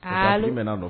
Bɛna nɔ